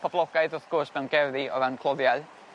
poblogaidd wrth gwrs mewn gerddi o ran cloddiau